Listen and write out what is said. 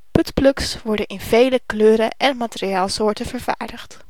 Buttplugs worden in vele kleuren en materiaalsoorten vervaardigd